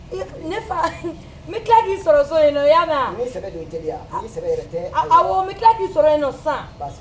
Ne fa n bɛ kila k'i sɔrɔ so in nɔn. I y'a mɛ wa? Ni sɛbɛ don i teliya ni sɛbɛ yɛrɛ tɛ awɔ n bɛ kila k'i sɔrɔ yen sisan